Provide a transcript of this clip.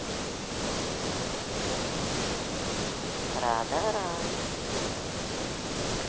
рада рай